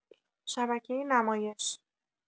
شبکه نمایش